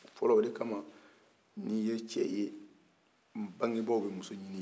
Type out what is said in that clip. fɔlɔ o de kama ni ye cɛ ye bangebaw bɛ muso ɲini i ye